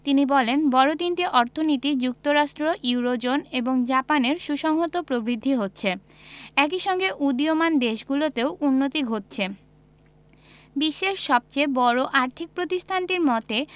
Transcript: তিনি বলেন বড় তিনটি অর্থনীতি যুক্তরাষ্ট্র ইউরোজোন এবং জাপানের সুসংহত প্রবৃদ্ধি হচ্ছে একই সঙ্গে উদীয়মান দেশগুলোতেও উন্নতি ঘটছে বিশ্বের সবচেয়ে বড় আর্থিক প্রতিষ্ঠানটির মতে